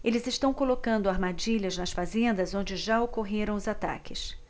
eles estão colocando armadilhas nas fazendas onde já ocorreram os ataques